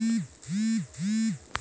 кстати молодцы да